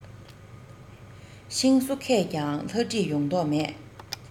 ཤིང བཟོ མཁས ཀྱང ལྷ བྲིས ཡོང མདོག མེད